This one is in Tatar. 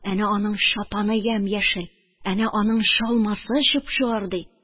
Әнә аның чапаны ямь-яшел, әнә аның чалмасы чуп-чуар!» – ди.